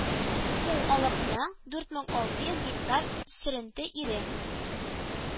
Ху алыкның дүрт мең алты йөз гектар сөренте ире